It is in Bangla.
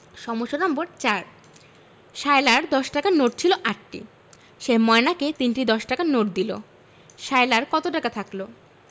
সমস্যা নম্বর ৪ সায়লার দশ টাকার নোট ছিল ৮টি সে ময়নাকে ৩টি দশ টাকার নোট দিল সায়লার কত টাকা থাকল